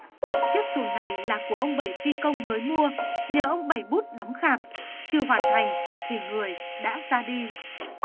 chiếc xuồng này là của ông bảy phi công mới mua nhờ ông bảy bút đóng khạc chưa hoàn thành thì người đã ra đi